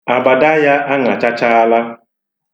Abada ya aṅachachaala.